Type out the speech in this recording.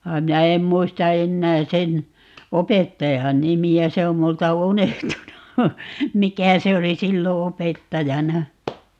vaan ei minä en muista enää sen opettajan nimeä se on minulta unohtunut mikä se oli silloin opettajana